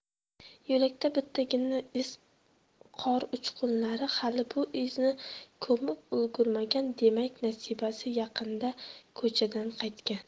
yo'lakda bittagina iz qor uchqunlari hali bu izni ko'mib ulgurmagan demak nasibasi yaqinda ko'chadan qaytgan